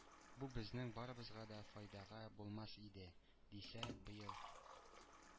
Бу безнең барыбызга да файдага булмас иде”, – дисә, быел: